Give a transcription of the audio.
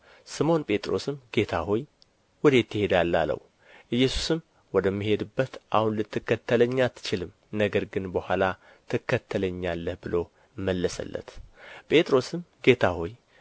ስምዖን ጴጥሮስም ጌታ ሆይ ወዴት ትሄዳለህ አለው ኢየሱስም ወደምሄድበት አሁን ልትከተለኝ አትችልም ነገር ግን በኋላ ትከተለኛለህ ብሎ መለሰለት ጴጥሮስም ጌታ ሆይ